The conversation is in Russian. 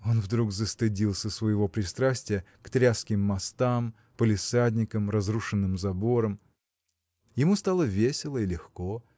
Он вдруг застыдился своего пристрастия к тряским мостам палисадникам разрушенным заборам. Ему стало весело и легко.